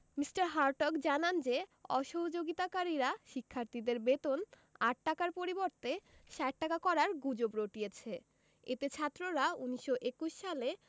Me. Hartog জানান যে অসহযোগিতাকারীরা শিক্ষার্থীদের বেতন ৮ টাকার পরিবর্তে ৬০ টাকা করার গুজব রটিয়েছে এতে ছাত্ররা ১৯২১ সালে